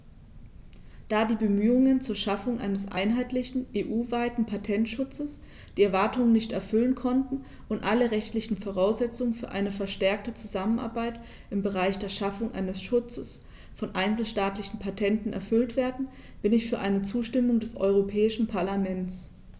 Da die Bemühungen zur Schaffung eines einheitlichen, EU-weiten Patentschutzes die Erwartungen nicht erfüllen konnten und alle rechtlichen Voraussetzungen für eine verstärkte Zusammenarbeit im Bereich der Schaffung eines Schutzes von einzelstaatlichen Patenten erfüllt werden, bin ich für eine Zustimmung des Europäischen Parlaments.